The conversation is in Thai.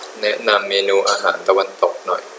แนะนำเมนูอาหารตะวันตกหน่อย